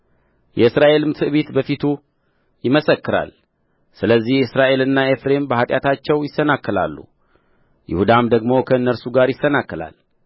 የእስራኤልም ትዕቢት በፊቱ ይመሰክራል ስለዚህ እስራኤልና ኤፍሬም በኃጢአታቸው ይሰናከላሉ ይሁዳም ደግሞ ከእነሱ ጋር ይሰናከላል